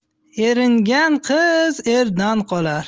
eringan qiz erdan qolar